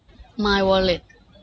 มายวอลเล็ต